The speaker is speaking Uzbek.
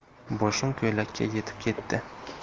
boshim ko'klarga yetib ketti